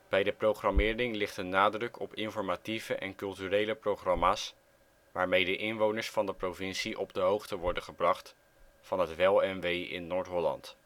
Bij de programmering ligt de nadruk op informatieve en culturele programma 's, waarmee de inwoners van de provincie op de hoogte worden gebracht van het wel en wee in Noord-Holland